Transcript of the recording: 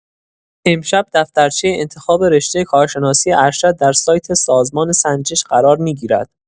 امشب دفترچه انتخاب رشته کارشناسی‌ارشد در سایت سازمان سنجش قرار می‌گیرد.